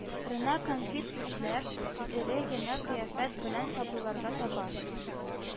Рына кәнфит учлап, эре генә кыяфәт белән сабыйларга таба